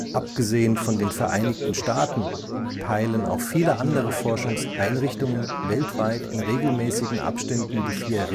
Abgesehen von den Vereinigten Staaten peilen auch viele andere Forschungseinrichtungen weltweit in regelmäßigen Abständen die vier